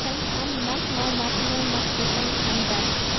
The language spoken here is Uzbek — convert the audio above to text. nomardni maqtasang ham dard